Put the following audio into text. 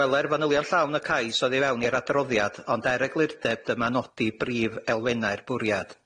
Gweler fanylion llawn y cais oddi fewn i'r adroddiad ond er eglurdeb dyma nodi brif elfennau'r bwriad.